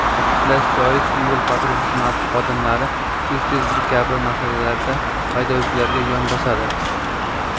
ta'kidlash joizki yo patrul xizmati xodimlari tez tez bu kabi masalalarda haydovchilarga yon bosadi